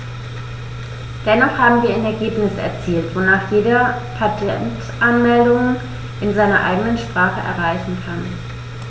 Dennoch haben wir ein Ergebnis erzielt, wonach jeder Patentanmeldungen in seiner eigenen Sprache einreichen kann.